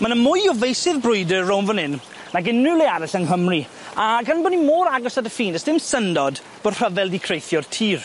Ma' 'ny mwy o feysydd brwydr rown' fan 'yn nag unhyw le arall yng Nghymru a gan bo' ni mor agos at y ffin do's dim syndod bo' rhyfel 'di creithio'r tir.